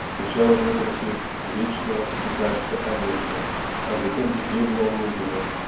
сначала в образе вечного скитальца Алеко а затем Евгения Онегина